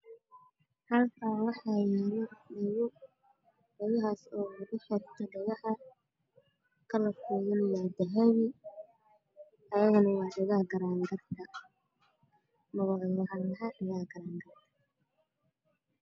Halkaan waxaa yaalo dhago lugu xirto dhagaha kalarkiisu waa dahabi, waana dhagaha garaanka.